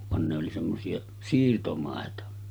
vaan ne oli semmoisia siirtomaita